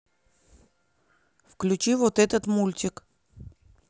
включить вот этот мультик